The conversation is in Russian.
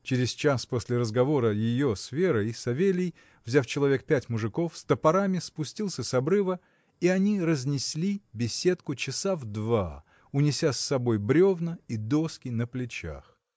Через час после разговора ее с Верой Савелий, взяв человек пять мужиков с топорами, спустился в обрыв, и они разнесли беседку часа в два, унеся с собой бревна и доски на плечах.